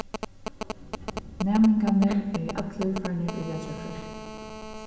næmingarnir eru allir farnir í vetrarfrí